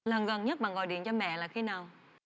lần gần nhất bạn gọi điện cho mẹ là khi nào